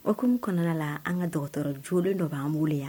Hukumu kɔnɔna la an ka dɔgɔtɔrɔ joolen dɔ b'an wele yan